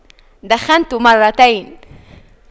دخنت مرتين